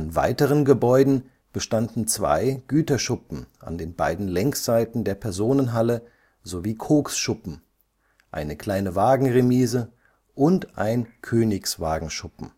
weiteren Gebäuden bestanden zwei Güterschuppen an den beiden Längsseiten der Personenhalle sowie Koksschuppen, eine kleine Wagenremise und ein Königswagenschuppen